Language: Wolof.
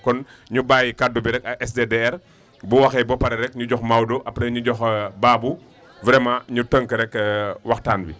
kon ñu bàyyi kaddu bi rek ak SDDR bu waxee ba pare rek ñu jox Maodo après ñu jox Babou vraiment ñu tënk rek waxtaan wi